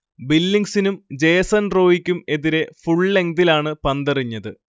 ബില്ലിങ്സിനും Jason റോയിക്കും എതിരെ ഫുൾലെങ്തിലാണ് പന്തെറിഞ്ഞത്